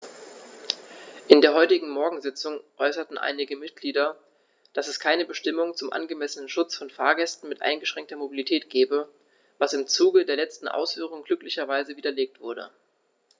In der heutigen Morgensitzung äußerten einige Mitglieder, dass es keine Bestimmung zum angemessenen Schutz von Fahrgästen mit eingeschränkter Mobilität gebe, was im Zuge der letzten Ausführungen glücklicherweise widerlegt wurde.